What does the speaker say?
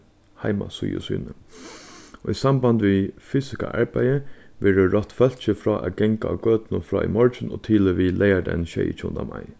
heimasíðu síni í samband við fysiska arbeiðið verður rátt fólki frá at ganga á gøtuni frá í morgin og til og við leygardagin sjeyogtjúgunda mai